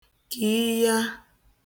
kiiya